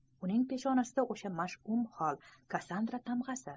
uning peshonasida o'sha mash'um xol kassandra tamg'asi